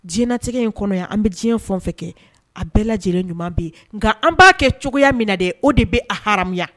Diɲɛɲɛnatigɛ in kɔnɔ an bɛ diɲɛ fɛn o fɛn kɛ a bɛɛ lajɛlen ɲuman bɛ yen nka an b'a kɛ cogoya mina dɛ o de bɛ a haramuya.